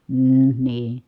mm niin